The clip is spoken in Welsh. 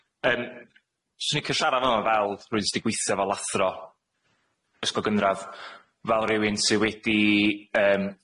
Yym, swn i'n 'icio siarad fel rywun sy 'di gwithio fel athro ysgol gynradd, fel rywun sy wedi yym